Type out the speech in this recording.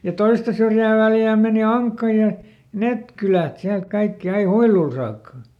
ja toista syrjää Väljää meni Ankka ja ne kylät sieltä kaikki aina Huiluun saakka